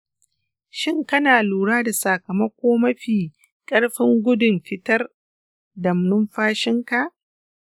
shin kana lura da sakamakon mafi ƙarfin gudun fitar da numfashinka?